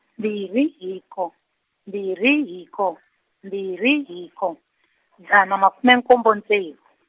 mbirhi hiko, mbirhi hiko, mbirhi hiko, dzana makume nkombo ntsevu.